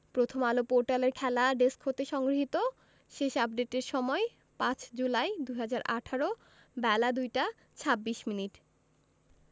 প্রথমআলো পোর্টালের খেলা ডেস্ক হতে সংগৃহীত শেষ আপডেটের সময় ৫ জুলাই ২০১৮ বেলা ২টা ২৬মিনিট